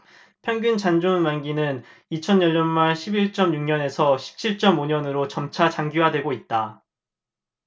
평균 잔존만기는 이천 열 년말 십 일 쩜 육 년에서 십 칠 쩜 오 년으로 점차 장기화되고 있다